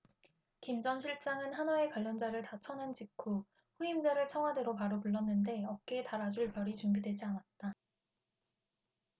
김 전 실장은 하나회 관련자를 다 쳐낸 직후 후임자를 청와대로 바로 불렀는데 어깨에 달아줄 별이 준비되지 않았다